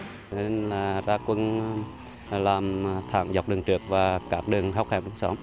thế là ra quân làm thảm dọc đường trượt và các đường góc hẹp cuộc sống